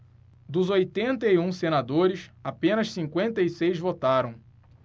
dos oitenta e um senadores apenas cinquenta e seis votaram